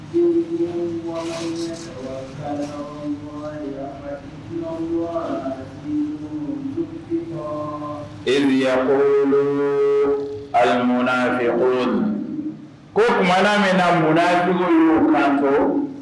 yo ya ko alimu bɛ ko ko tumaumanaminaɛna munnadugu' kan ko